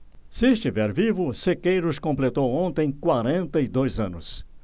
se estiver vivo sequeiros completou ontem quarenta e dois anos